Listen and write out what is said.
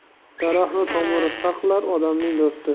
daraxtni tomiri saqlar odamni do'sti